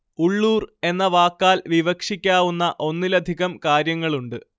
ഉള്ളൂർ എന്ന വാക്കാൽ വിവക്ഷിക്കാവുന്ന ഒന്നിലധികം കാര്യങ്ങളുണ്ട്